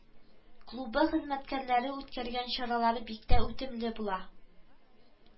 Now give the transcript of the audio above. Клубы хезмәткәрләре үткәргән чаралар бик тә үтемле була